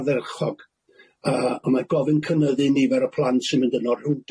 ardderchog yy a mae gofyn cynyddu nifer y plant sy'n mynd yno rhyw